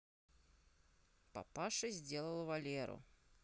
папаша сделал валеру